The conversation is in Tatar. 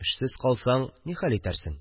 Эшсез калсаң нихәл итәрсең